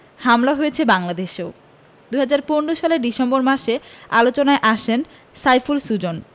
হামলা হয়েছে বাংলাদেশেও ২০১৫ সালের ডিসেম্বর মাসে আলোচনায় আসেন সাইফুল সুজন